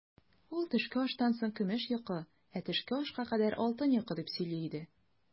Ул, төшке аштан соң көмеш йокы, ә төшке ашка кадәр алтын йокы, дип сөйли иде.